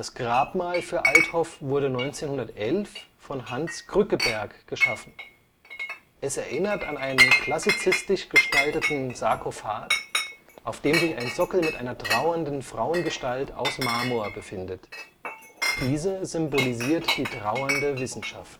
Grabmal für Althoff wurde 1911 von Hans Krückeberg geschaffen. Es erinnert an einen klassizistisch gestalteten Sarkophag, auf dem sich ein Sockel mit einer trauernden Frauengestalt aus Marmor befindet. Diese symbolisiert die trauernde Wissenschaft